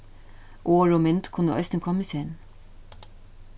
orð og mynd kunnu eisini koma í senn